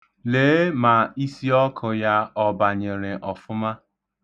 Lee ma isiọkụ ya ọ banyere ọfụma.